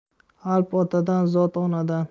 alp otadan zot onadan